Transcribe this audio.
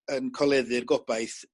yn coleddu'r gobaith